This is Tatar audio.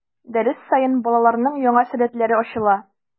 Дәрес саен балаларның яңа сәләтләре ачыла.